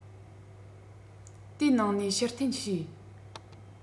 དེའི ནང ནས ཕྱིར འཐེན བྱས